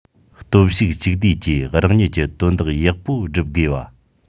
སྟོབས ཤུགས གཅིག བསྡུས ཀྱིས རང ཉིད ཀྱི དོན དག ཡག པོ བསྒྲུབ དགོས བ